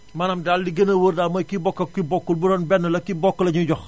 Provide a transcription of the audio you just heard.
maanaan daal li gën a wóor daal mooy ki bokk ak ki bokkul bu doon benn la ki bokk lañuy jox